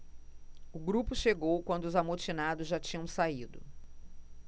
o grupo chegou quando os amotinados já tinham saído